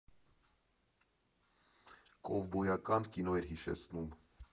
Կովբոյական կինո էր հիշեցնում.